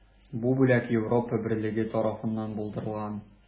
Бу бүләк Европа берлеге тарафыннан булдырылган.